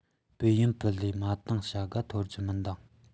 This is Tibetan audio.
ཕུའུ ཡན པེ ལི མ ཏིང བྱ དགའ ཐོབ རྒྱུར མི འདང